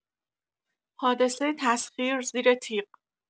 حادثه تسخیر، زیر تیغ!